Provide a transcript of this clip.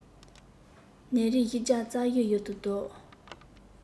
ནད རིམས བཞི བརྒྱ རྩ བཞི ཡུལ དུ བཟློག